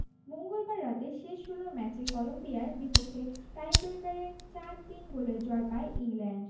মঙ্গলবার রাতে শেষ ষোলোর ম্যাচে কলম্বিয়ার বিপক্ষে টাইব্রেকারে ৪ ৩ গোলে জয় পায় ইংল্যান্ড